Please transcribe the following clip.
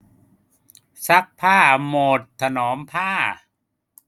ซักผ้าโหมดถนอมผ้า